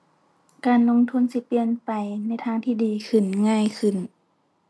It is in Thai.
การลงทุนสิเปลี่ยนไปในทางที่ดีขึ้น ง่ายขึ้น